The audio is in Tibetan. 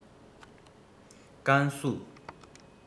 ཀན སུའུ